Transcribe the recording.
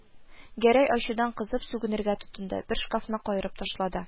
Гәрәй ачудан кызып, сүгенергә тотынды, бер шкафны каерып ташлады